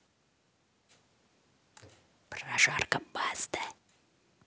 прожарка баста